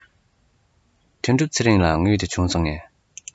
དོན གྲུབ ཚེ རིང གི དངུལ དེ བྱུང སོང ངས